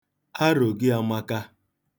Aro gị amaka.